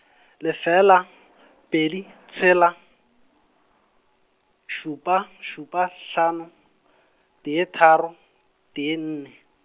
lefela, pedi, tshela, šupa, šupa, hlano, tee tharo, tee nne.